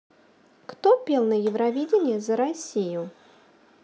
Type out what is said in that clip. кто пел на евровидение за россию